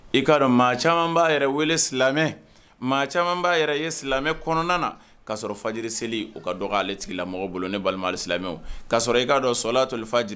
I k'a dɔn maa caman b'a yɛrɛ wele silamɛ maa caman b'a yɛrɛ ye silamɛ kɔnɔna na k'a sɔrɔ fajiri seli o ka dɔgɔ ale tigilamɔgɔ bolo ne balima alisilamɛw k'a sɔrɔ i k'a dɔn sɔlatulfaji